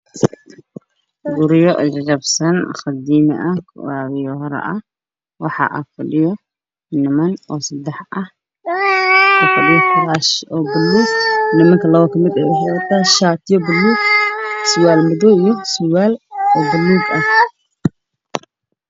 Meeshaan waxaa ka muuqdo laba nin nin u fadhiyaa ninna uu taagan yahay waxay qabaan shaatiyaal isku eg waxaa ka dambeeyo guryo dabaqyo ah